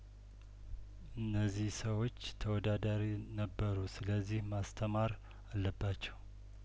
እነዚህ ሰዎች ተወዳዳሪ ነበሩ ስለዚህ ማስተማር አለባቸው